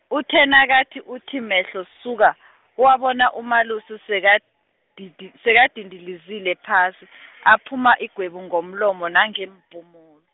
uthe nakathi uthi mehlo suka , wabona uMalusi sekadidi- sekandilizile phasi, aphuma igwebu ngomlomo nangeempumulo.